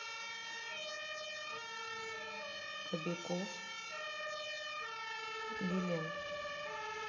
кобяков гелен